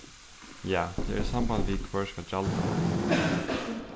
ja tað er í samband við hvør skal gjalda